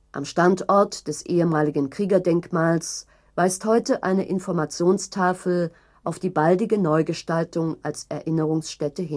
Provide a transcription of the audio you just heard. Am Standort des ehemaligen Kriegerdenkmals weist heute eine Informationstafel auf die baldige Neugestaltung als Erinnerungsstätte